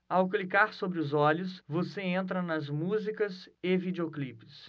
ao clicar sobre os olhos você entra nas músicas e videoclipes